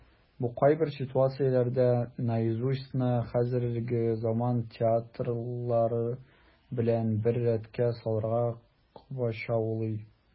Бу кайбер ситуацияләрдә "Наизусть"ны хәзерге заман театрылары белән бер рәткә салырга комачаулый.